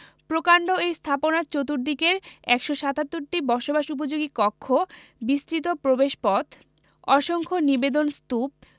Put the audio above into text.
প্রকান্ড এই স্থাপনার চতুর্দিকের ১৭৭টি বসবাস উপযোগী কক্ষ বিস্তৃত প্রবেশপথ অসংখ্য নিবেদন স্তূপ